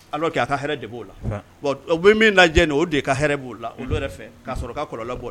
A ka de b'o la min jɛ o de ka b'o la o fɛ ka sɔrɔ ka kɔlɔlɔnlɔ bɔ